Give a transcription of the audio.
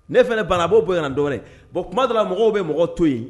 Ne fana banna a b'o bonyayna dɔɔnin bɔn kuma dɔ la mɔgɔw bɛ mɔgɔ to yen